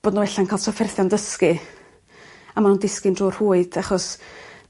bod n'w ella'n ca'l trafferthion dysgu a ma' nw'n disgyn trwy'r rhwyd achos